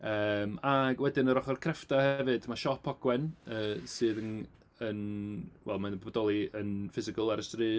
Yym a wedyn yr ochr crefftau hefyd, ma' Siop Ogwen yy sydd yn yn wel maen nhw'n bodoli yn physical ar y stryd.